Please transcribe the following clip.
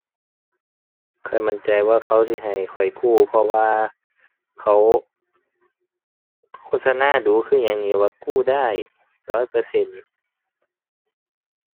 ข้อยมั่นใจว่าเขาสิให้ข้อยกู้ เพราะว่าเขาโฆษณาดู๋คือหยังหนิว่ากู้ได้ร้อยเปอร์เซ็นต์